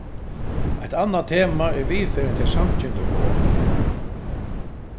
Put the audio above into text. eitt annað tema er viðferðin tey samkyndu fáa